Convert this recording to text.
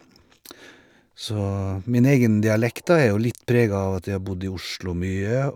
Så min egen dialekt, da, er jo litt prega av at jeg har bodd i Oslo mye.